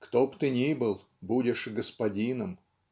"кто б ты ни был - будешь господином".